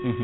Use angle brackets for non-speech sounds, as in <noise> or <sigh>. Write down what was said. <hesitation> <hesitation>